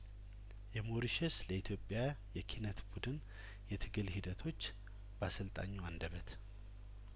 የሞሪሸስ ለኢትዮጵያ የኪነት ቡድን የትግል ሂደቶች በአሰልጣኙ አንደበት